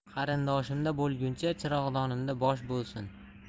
qarindoshimda bo'lguncha chirog'donimda bo'lsin